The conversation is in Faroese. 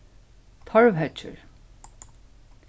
torvheyggjur